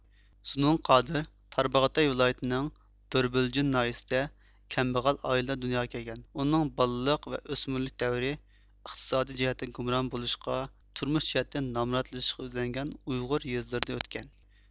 زۇنۇن قادىر تارباغاتاي ۋىلايىتىنىڭ دۆربىلجىن ناھىيىسىدە كەمبەغەل ئائىلىدە دۇنياغا كەلگەن ئۇنىڭ بالىلىق ۋە ئۆسمۈرلۈك دەۋرى ئىقتىسادىي جەھەتتە گۇمران بولۇشقا تۇرمۇش جەھەتتە نامراتلىشىشقا يۈزلەنگەن ئۇيغۇر يېزىلىرىدا ئۆتكەن